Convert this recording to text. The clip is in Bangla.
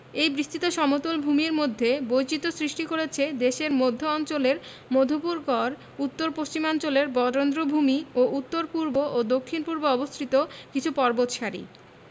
এই বিস্তৃত সমতল ভূমির মধ্যে বৈচিত্র্য সৃষ্টি করেছে দেশের মধ্য অঞ্চলের মধুপুর গড় উত্তর পশ্চিমাঞ্চলের বরেন্দ্রভূমি এবং উত্তর পূর্ব ও দক্ষিণ পূর্বে অবস্থিত কিছু পর্বতসারি